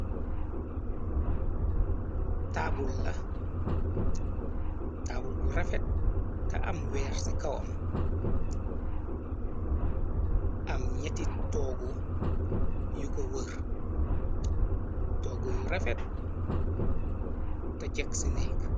Tabull la tabull bu rafet te am wèèx ci kawam am ñetti tóógu yu ko wër tóógu yu rafet te jekk ci nék.